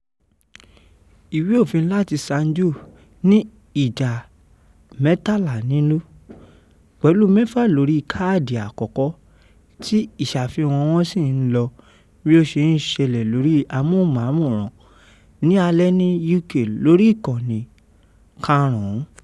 Ìwé òfin láti San Jose ní ìja 13 nínú, pẹ̀lú mẹ́fà lórí i káàdi àkọ́kọ́ tí ìṣàfihàn wọ́n sì ńlọ́ bí ó ṣe ń ṣẹ̀lẹ̀ lórí àmóhùmáwòrán ní alẹ̀ ní UK lórí Ìkannì 5.